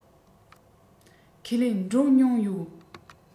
ཁས ལེན འགྲོ མྱོང ཡོད